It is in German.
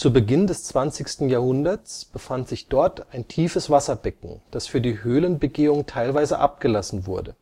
Beginn des 20. Jahrhunderts befand sich dort ein tiefes Wasserbecken, das für die Höhlenbegehung teilweise abgelassen wurde